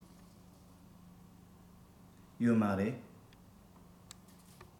ཡོད མ རེད